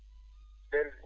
selli